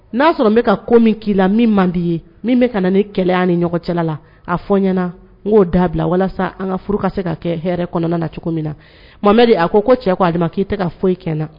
N'a sɔrɔ n bɛ ka ko min k'i la min man d'i ye min bɛ ka na ni kɛlɛ ye an cɛla la, a fɔ n ɲɛna n g'o dabila walasa an ka furu ka se ka kɛ hɛrɛ kɔnɔna na cogo min na. Mohamed a ko, ko cɛ ko ale ma k'i tɛ ka foyi kɛ n na.